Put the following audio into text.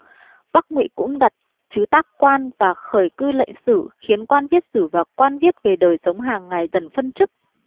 bắc ngụy cũng đặt trứ tác quan và khởi cư lệnh sử khiến quan viết sử và quan viết về đới sống hàng ngày dần phân chức